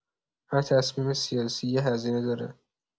هر تصمیم سیاسی یه هزینه داره.